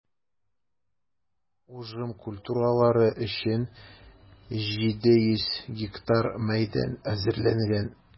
Уҗым культуралары өчен 700 га мәйдан әзерләнгән.